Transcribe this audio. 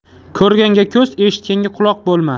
ko'rganga ko'z eshitganga quloq bo'lma